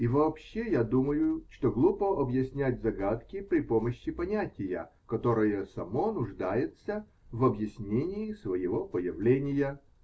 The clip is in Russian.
И вообще я думаю, что глупо объяснять загадки при помощи понятия, которое само нуждается в объяснении своего появления.